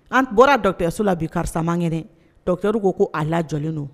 An bɔra dɔtɛso la bi karisasa kɛnɛkɛdu ko ko a lajɔlen don